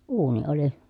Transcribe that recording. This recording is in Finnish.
uuni oli